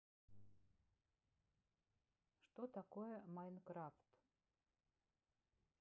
что такое minecraft